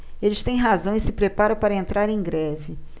eles têm razão e se preparam para entrar em greve